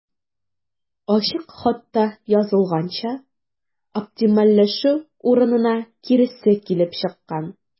Ачык хатта язылганча, оптимальләшү урынына киресе килеп чыккан.